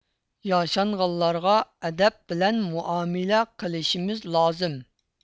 ياشانغانلارغا ئەدەب بىلەن مۇئامىلە قىلشىمىز لازىم